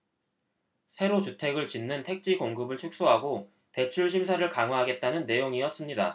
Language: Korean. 새로 주택을 짓는 택지공급을 축소하고 대출 심사를 강화하겠다는 내용이었습니다